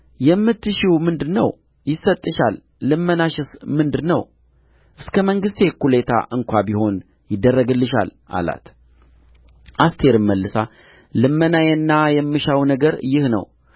የምትሺው ምንድር ነው ይሰጥሻል ልመናሽስ ምንድር ነው እስከ መንግሥቴ እኵሌታ እንኳ ቢሆን ይደረግልሻል አላት አስቴርም መልሳ ልመናዬና የምሻው ነገር ይህ ነው